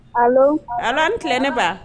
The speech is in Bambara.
Aw ala n tilen ne ba